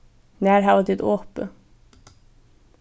nær hava tit opið